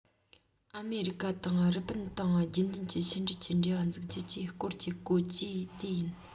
ཨ མེ རི ཀ དང རི པིན དང རྒྱུན ལྡན གྱི ཕྱི འབྲེལ གྱི འབྲེལ བ འཛུགས རྒྱུ བཅས སྐོར གྱི བཀོད ཇུས དེ ཡིན